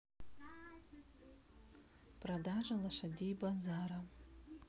продажа лошадей базара